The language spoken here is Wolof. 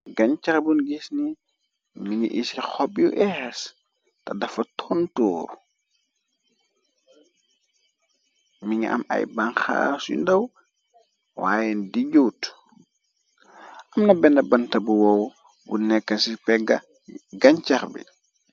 gañcaxbun gis ni mini ici xob yu ees te dafa tontoor mi nga am ay banxaar yu ndaw waaye di juut amna benn banta bu woow bu nekk ci pegg gañcax bi